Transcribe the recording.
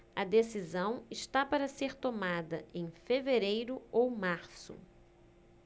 a decisão está para ser tomada em fevereiro ou março